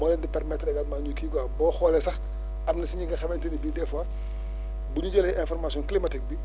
moo leen di permettre également ñu kii quoi boo xoolee sax am na si ñi nga xamante ni bii des fois bu nu jëlee information climatique bi